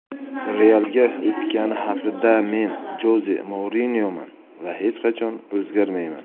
real ga o'tgani haqidamen joze mourinyoman va hech qachon o'zgarmayman